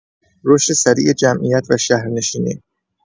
رشد سریع جمعیت و شهرنشینی